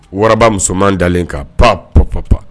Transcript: Wararaba musoman dalen ka pan-p-p- pan